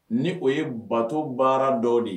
Ni o ye bato baara dɔ de ye